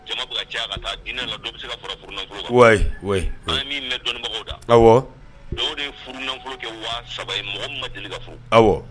Jama bi ka caya ka taa. Dinɛ la, dɔ bi se ka fara furunafolo kan. An ye min mɛn dɔnnibagaw da, o de ya kɛ 3000 ye. Mɔgɔ min ma deli ka furu.